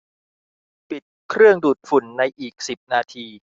ปิดเครื่องดูดฝุ่นในอีกสิบนาที